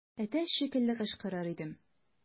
Әтәч шикелле кычкырыр идем.